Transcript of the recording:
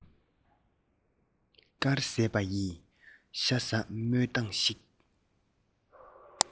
དཀར ཟས པ ཡིས ཤ ཟ སྨོད སྟངས ཤིག